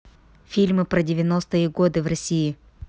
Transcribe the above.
фильмы про девяностые годы в россии